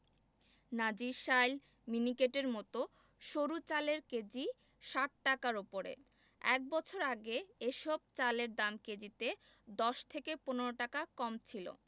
নাজিরশাইল মিনিকেটের মতো সরু চালের কেজি ৬০ টাকার ওপরে এক বছর আগে এসব চালের দাম কেজিতে ১০ থেকে ১৫ টাকা কম ছিল